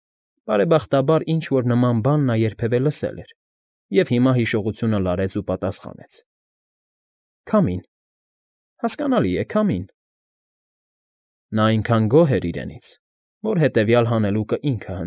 Բարեբախտաբար, ինչ֊որ նման բան նա երբևէ լսել էր և հիմա հիշողությունը լարեց ու պատասխանեց. ֊ Քամին, հասկանելի է, քամին… Նա այնքան գոհ էր իրենից, որ հետևյալ հանելուկն ինքը։